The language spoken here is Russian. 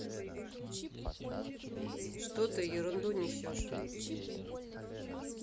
что ты ерунду несешь